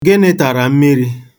Gịnị tara mmiri?